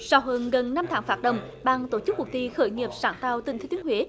sau hơn gần năm tháng phát động ban tổ chức cuộc thi khởi nghiệp sáng tạo tỉnh thừa thiên huế